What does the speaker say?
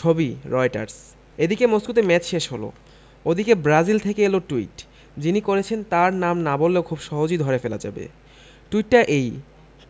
ছবি রয়টার্স এদিকে মস্কোতে ম্যাচ শেষ হলো ওদিকে ব্রাজিল থেকে এল টুইট যিনি করেছেন তাঁর নাম না বললেও খুব সহজেই ধরে ফেলা যাবে টুইটটা এই